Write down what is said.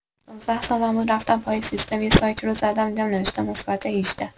۱۶ سالم بود رفتم پای سیستم یه سایتی رو زدم دیدم نوشته مثبت ۱۸